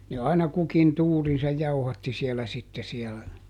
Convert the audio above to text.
ne aina kukin tuurinsa jauhatti siellä sitten siellä